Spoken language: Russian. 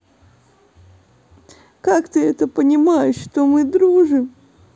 как ты это понимаешь что мы дружим